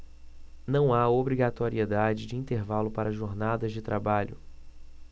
não há obrigatoriedade de intervalo para jornadas de trabalho